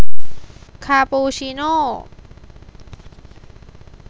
คาปูชิโน่